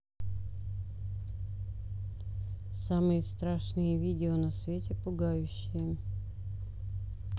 самые страшные видео на свете пугающие